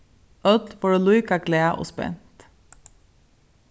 øll vóru líka glað og spent